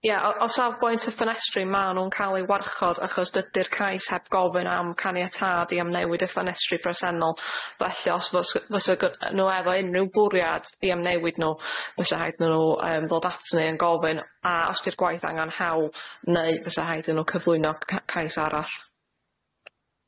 Ia o o safbwynt y ffenestri ma' nw'n ca'l eu warchod achos dydi'r cais heb gofyn am caniatâd i amnewid y ffenestri presennol, felly os fys- fysa g- nw efo unryw bwriad i amnewid nw fysa rhaid nw yym ddod at ni yn gofyn a os 'di'r gwaith angan hawl neu fysa rhaid i nw cyflwyno ca- cais arall.